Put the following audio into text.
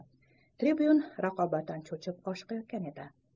tribyun raqobatdan cho'chib oshiqayotgan edi